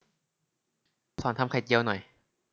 สอนทำไข่เจียวหน่อย